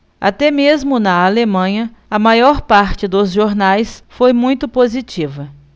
até mesmo na alemanha a maior parte dos jornais foi muito positiva